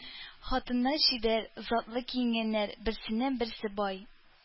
Хатыннар чибәр, затлы киенгәннәр, берсеннән-берсе бай.